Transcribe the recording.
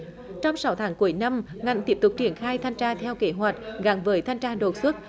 trong sáu tháng cuối năm ngành tiếp tục triển khai thanh tra theo kế hoạch gắn với thanh tra đột xuất